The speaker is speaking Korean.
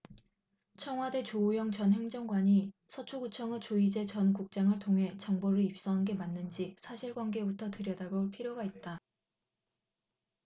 청와대의 조오영 전 행정관이 서초구청의 조이제 전 국장을 통해 정보를 입수한 게 맞는지 사실관계부터 들여다볼 필요가 있다